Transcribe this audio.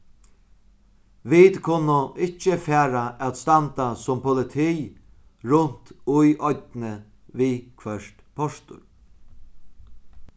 vit kunnu ikki fara at standa sum politi runt í oynni við hvørt portur